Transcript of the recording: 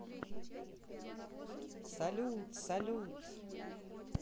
салют салют